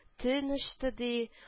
Төн очты, ди